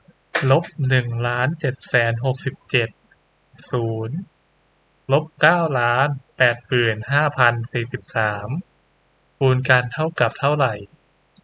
ลบหนึ่งล้านเจ็ดแสนหกร้อยหกสิบเจ็ดศูนย์ลบเก้าล้านแปดหมื่นห้าพันสี่สิบสามคูณกันเท่ากับเท่าไหร่